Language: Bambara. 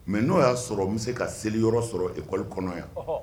Mɛ n'o y'a sɔrɔ n bɛ se ka seli yɔrɔ sɔrɔ ekɔli kɔnɔ yan